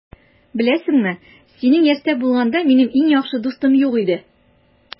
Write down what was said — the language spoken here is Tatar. Беләсеңме, синең яшьтә булганда, минем иң яхшы дустым юк иде.